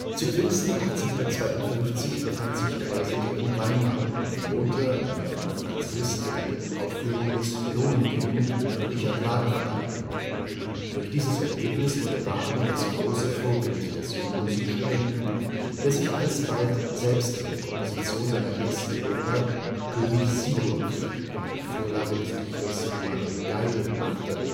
Zu Pfingsten 1852 befand sich Draeseke in Weimar und wohnte einer von Franz Liszt geleiteten Aufführung des Lohengrin von Richard Wagner bei. Durch dieses Erlebnis wurde Wagner das große Vorbild des jungen Musikstudenten, der sich alsbald selbst an die Komposition seiner ersten Oper König Sigurd (nach einer Vorlage des Dichters Emanuel Geibel) machte